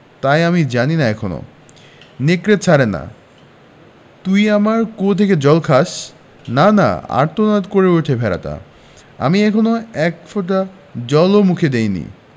তাই আমি জানি না এখনো নেকড়ে ছাড়ে না তুই আমার কুয়ো থেকে জল খাস না না আর্তনাদ করে ওঠে ভেড়াটা আমি এখনো এক ফোঁটা জল ও মুখে দিইনি